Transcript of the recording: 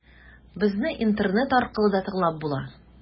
Безне интернет аркылы да тыңлап була.